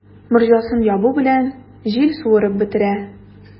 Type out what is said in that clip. Морҗасын ябу белән, җил суырып бетерә.